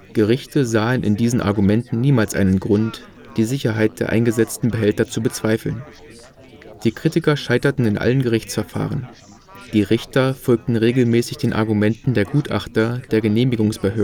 Gerichte sahen in diesen Argumenten niemals einen Grund, die Sicherheit der eingesetzten Behälter zu bezweifeln. Die Kritiker scheiterten in allen Gerichtsverfahren. Die Richter folgten regelmäßig den Argumenten der Gutachter der Genehmigungsbehörden